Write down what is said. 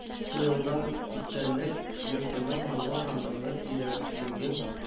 Куелган истәлек йортының моңлы һәм нурлы тирә леген